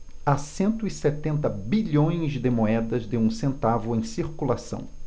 há cento e setenta bilhões de moedas de um centavo em circulação